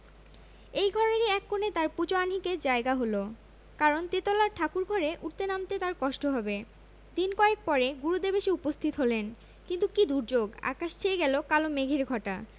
এই ঘরেরই এক কোণে তাঁর পূজো আহ্নিকের জায়গা হলো কারণ তেতলার ঠাকুরঘরে উঠতে নামতে তাঁর কষ্ট হবে দিন কয়েক পরে গুরুদেব এসে উপস্থিত হলেন কিন্তু কি দুর্যোগ আকাশ ছেয়ে কালো মেঘের ঘটা